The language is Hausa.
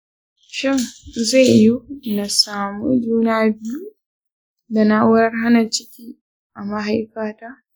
shin zai yiwu na samu juna biyu da na’urar hana ciki a mahaifata?